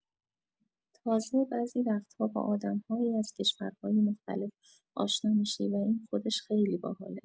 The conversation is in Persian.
تازه، بعضی وقت‌ها با آدم‌هایی از کشورهای مختلف آشنا می‌شی و این خودش خیلی باحاله.